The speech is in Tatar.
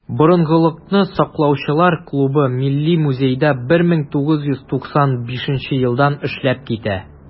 "борынгылыкны саклаучылар" клубы милли музейда 1995 елдан эшләп килә.